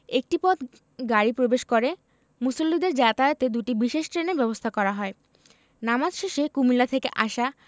একটি পথ গাড়ি প্রবেশ করে মুসল্লিদের যাতায়াতে দুটি বিশেষ ট্রেনের ব্যবস্থা করা হয় নামাজ শেষে কুমিল্লা থেকে আসা